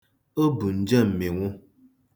O bu nje mmịnwụ.